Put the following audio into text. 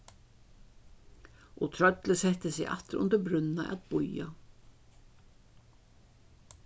og trøllið setti seg aftur undir brúnna at bíða